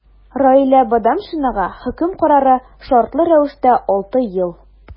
Раилә Бадамшинага хөкем карары – шартлы рәвештә 6 ел.